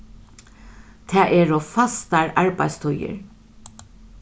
tað eru fastar arbeiðstíðir